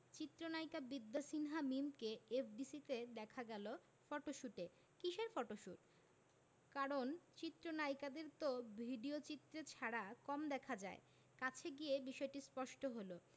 চিত্রনায়িকা বিদ্যা সিনহা মিমকে এফডিসিতে দেখা গেল ফটোশুটে কিসের ফটোশুট কারণ চিত্রনায়িকাদের তো ভিডিওচিত্রে ছাড়া কম দেখা যায় কাছে গিয়ে বিষয়টি স্পষ্ট হলো